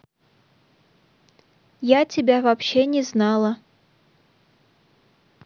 я тебя вообще не знала